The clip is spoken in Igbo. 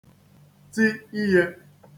ti iyē